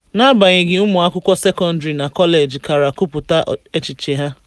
N'agbanyeghị, ụmụakwụkwọ sekọndrị na kọleji kara kwupụta echiche ha.